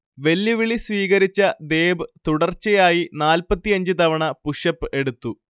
വെല്ലുവിളി സ്വീകരിച്ച ദേബ് തുടർച്ചയായി നാല്പത്തിഅഞ്ച് തവണ പുഷ്അപ് എടുത്തു